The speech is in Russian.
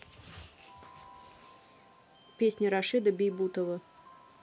песни рашида бейбутова